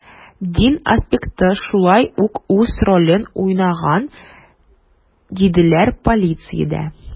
Дин аспекты шулай ук үз ролен уйнаган, диделәр полициядә.